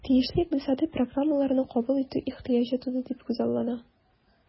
Тиешле икътисадый программаларны кабул итү ихтыяҗы туды дип күзаллана.